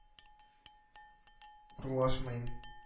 Урлашмыйм